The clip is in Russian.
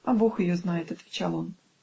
"А бог ее знает", -- отвечал он.